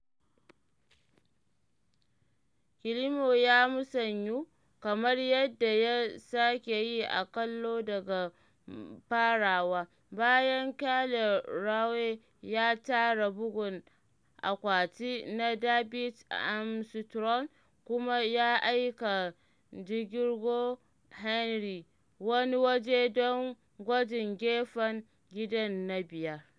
Climo ya musanyu, kamar yadda ya sake yi aƙalla daga farawa, bayan Kyle Rowe ya tara bugun akwati na David Armstrong kuma ya aika Gregor Henry wani waje don gwajin gefen gida na biyar.